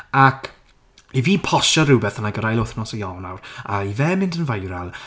Ac i fi postio rhywbeth yn yr ail wythnos o Ionawr a i fe mynd yn viral...